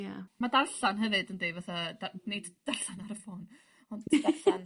Ia ma' darllan hefyd yndi fatha da- nid darllan ar y ffôn ond darllan.